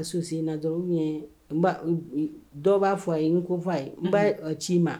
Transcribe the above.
A su sen na dɔrɔn dɔw b'a fɔ a ye n ko f fɔ a ye n ba ci ma